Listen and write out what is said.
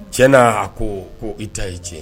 Cɛ' ko ko i ta ye tiɲɛ